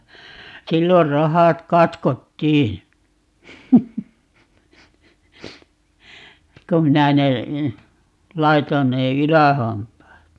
silloin rohat katkottiin kun minä ne laitoin ne ylähampaat